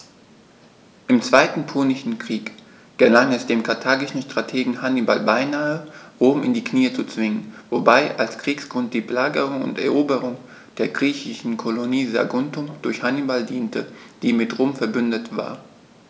Im Zweiten Punischen Krieg gelang es dem karthagischen Strategen Hannibal beinahe, Rom in die Knie zu zwingen, wobei als Kriegsgrund die Belagerung und Eroberung der griechischen Kolonie Saguntum durch Hannibal diente, die mit Rom „verbündet“ war.